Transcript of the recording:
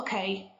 oce